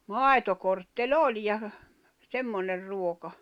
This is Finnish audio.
maitokortteli oli ja semmoinen ruoka